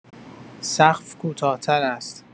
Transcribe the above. سقف کوتاه‌تر است.